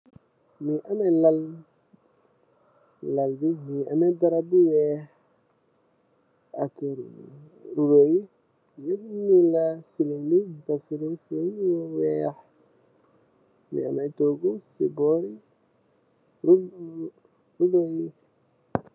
Mu nge ame lal, lal bi mu nge ameh darap bu wey redo yu weyh silin bi nuro lu weyh mu nge ameh togu si bori redo yi.